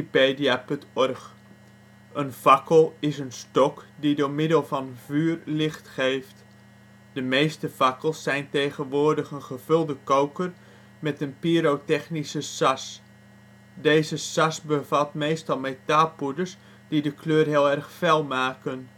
Een fakkel is een stok die door middel van vuur licht geeft. De meeste fakkels zijn tegenwoordig een gevulde koker met een pyrotechnische sas. Deze sas bevat meestal metaalpoeders die de kleur heel erg fel maken